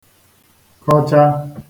kọchā